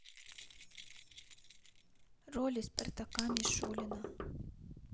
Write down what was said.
роли спартака мишулина